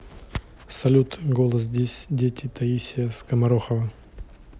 салют голос дети таисия скоморохова